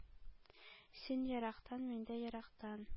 Син ерактан, мин дә ерактан.